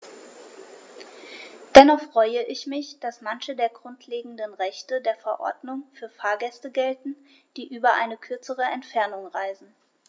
Dennoch freue ich mich, dass manche der grundlegenden Rechte der Verordnung für Fahrgäste gelten, die über eine kürzere Entfernung reisen.